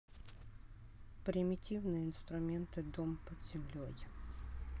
примитивные инструменты дом под землей